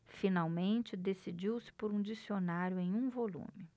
finalmente decidiu-se por um dicionário em um volume